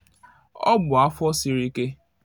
Ọ bụ afọ siri ike.